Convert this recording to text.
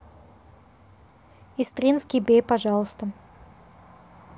истринский бей пожалуйста